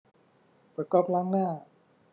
เปิดก๊อกล้างหน้า